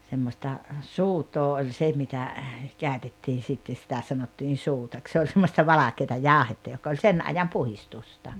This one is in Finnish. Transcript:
semmoista soodaa oli se mitä käytettiin sitten sitä sanottiin soodaksi se oli semmoista valkeata jauhetta joka oli sen ajan puhdistusta